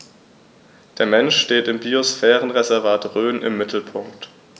Der Mensch steht im Biosphärenreservat Rhön im Mittelpunkt.